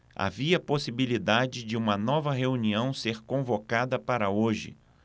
havia possibilidade de uma nova reunião ser convocada para hoje